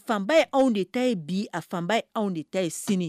Fanba ye anw de ta ye bi a fanba ye anw de ta ye sini